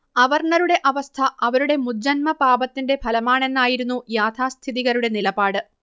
അവർണ്ണരുടെ അവസ്ഥ അവരുടെ മുജ്ജന്മപാപത്തിന്റെ ഫലമാണെന്നായിരുന്നു യാഥാസ്ഥിതികരുടെ നിലപാട്